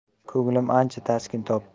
ko'nglim ancha taskin topdi